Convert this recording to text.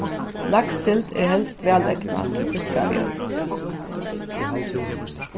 lakssild er helst vælegnað til fiskamjøl